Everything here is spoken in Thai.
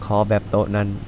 ขอแบบโต๊ะนั้น